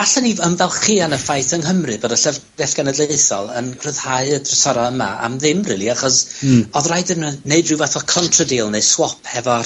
...allwn ni fym- ymfalchio yn y ffaith yng Nghymru bod y Llyfrgell Genedlaethol yn rhyddhau y drysora' yma am ddim rili achos... Hmm. ...odd raid i nw neud ryw fath o contra deal neu swop hefo'r